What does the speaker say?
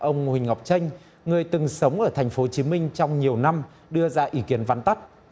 ông huỳnh ngọc chênh người từng sống ở thành phố chí minh trong nhiều năm đưa ra ý kiến vắn tắt